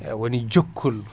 eyyi woni jokkol